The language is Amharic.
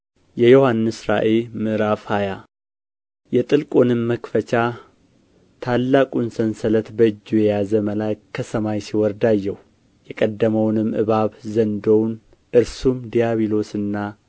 የዮሐንስ ራእይ ምዕራፍ ሃያ የጥልቁንም መክፈቻና ታላቁን ሰንሰለት በእጁ የያዘ መልአክ ከሰማይ ሲወርድ አየሁ የቀደመውንም እባብ ዘንዶውን እርሱም ዲያብሎስና